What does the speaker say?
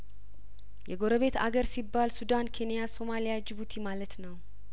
የጐረቤት አገር ሲባል ሱዳን ኬንያሶማሊያጂቡቲ ማለት ነው